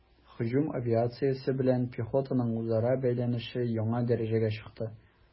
Һөҗүм авиациясе белән пехотаның үзара бәйләнеше яңа дәрәҗәгә чыкты.